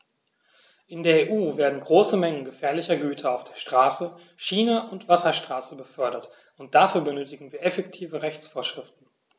In der EU werden große Mengen gefährlicher Güter auf der Straße, Schiene und Wasserstraße befördert, und dafür benötigen wir effektive Rechtsvorschriften.